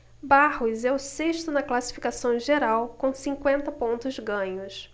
barros é o sexto na classificação geral com cinquenta pontos ganhos